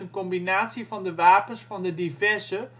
combinatie van de wapens van de diverse